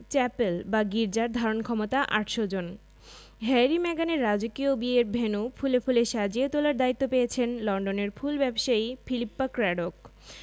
chapel বা গির্জার ধারণক্ষমতা ৮০০ জন হ্যারি মেগানের রাজকীয় বিয়ের ভেন্যু ফুলে ফুলে সাজিয়ে তোলার দায়িত্ব পেয়েছেন লন্ডনের ফুল ব্যবসায়ী ফিলিপ্পা ক্র্যাডোক